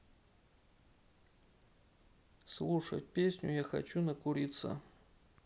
слушать песню я хочу накуриться